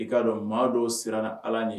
I k'a dɔn maa dɔw siranna allah ye.